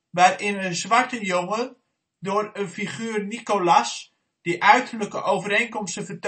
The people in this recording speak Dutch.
waarin een zwarte jongen door een figuur Nikolas, die uiterlijke overeenkomsten